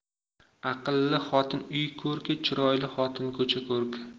aqlli xotin uy ko'rki chiroyli xotin ko'cha ko'rki